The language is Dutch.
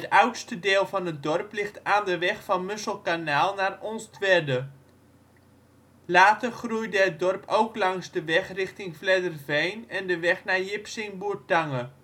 oudste deel van het dorp ligt aan de weg van Musselkanaal naar Onstwedde. Later groeide het dorp ook langs de weg richting Vledderveen en de weg naar Jipsingboertange